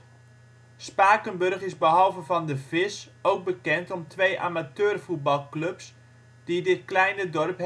Spakenburg is behalve van de vis ook bekend om twee amateurvoetbalclubs die dit kleine dorp